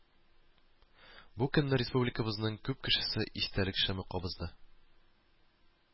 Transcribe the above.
Бу көнне республикабызның күп кешесе истәлек шәме кабызды